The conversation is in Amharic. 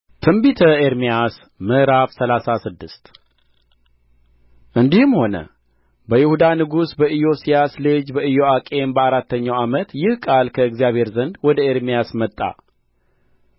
ትንቢተ ኤርምያስ ምዕራፍ ሰላሳ ስድስት እንዲህም ሆነ በይሁዳ ንጉሥ በኢዮስያስ ልጅ በኢዮአቄም በአራተኛው ዓመት ይህ ቃል ከእግዚአብሔር ዘንድ ወደ ኤርምያስ መጣ